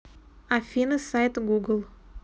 афина сайт google